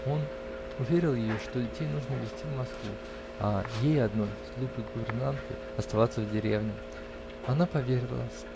Он уверил ее, что детей нужно везти в Москву, а ей одной, с глупой гувернанткой, оставаться в деревне, -- она поверила